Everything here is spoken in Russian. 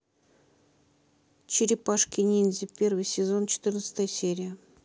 черепашки ниндзя первый сезон четырнадцатая серия